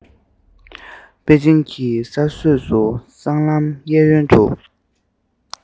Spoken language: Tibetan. པེ ཅིན གྱི ས སྲོས སུ སྲང ལམ གཡས གཡོན དུ